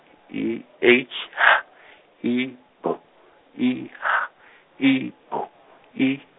E H H, E B, E H, E B, E.